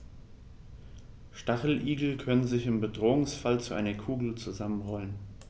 Stacheligel können sich im Bedrohungsfall zu einer Kugel zusammenrollen.